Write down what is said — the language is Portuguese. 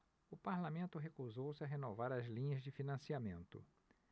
o parlamento recusou-se a renovar as linhas de financiamento